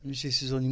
monsieur Cissokho ñu